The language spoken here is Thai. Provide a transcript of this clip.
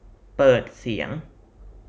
เปิดเสียง